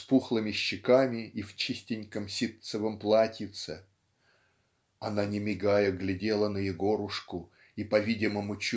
с пухлыми щеками и в чистеньком ситцевом платьице. "Она не мигая глядела на Егорушку и по-видимому